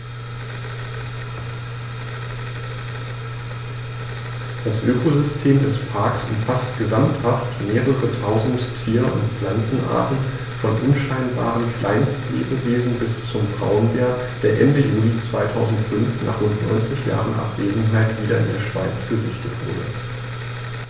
Das Ökosystem des Parks umfasst gesamthaft mehrere tausend Tier- und Pflanzenarten, von unscheinbaren Kleinstlebewesen bis zum Braunbär, der Ende Juli 2005, nach rund 90 Jahren Abwesenheit, wieder in der Schweiz gesichtet wurde.